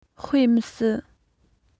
དཔེ མི སྲིད